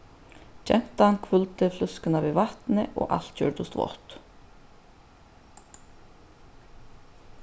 gentan hvølvdi fløskuna við vatni og alt gjørdist vátt